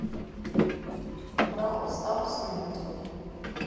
бравл старс на ютюбе